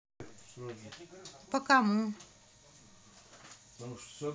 по кому